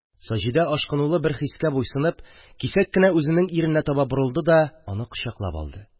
Саҗидә ашкынулы бер хискә буйсынып кисәк кенә иренә таба борылды да, аны кочаклап алды.